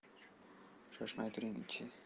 shoshmay turing chi